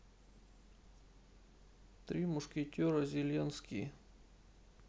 три мушкетера зеленский